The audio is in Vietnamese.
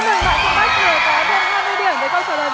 điểm với câu trả